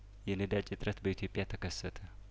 የነዳጅ እጥረት በኢትዮጵያ ተከሰተ